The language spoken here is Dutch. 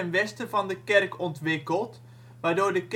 westen van de kerk ontwikkeld, waardoor de